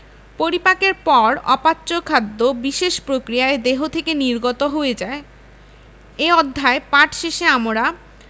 পরিপাকের পর অপাচ্য খাদ্য বিশেষ প্রক্রিয়ায় দেহ থেকে নির্গত হয়ে যায় এ অধ্যায় পাঠ শেষে আমরা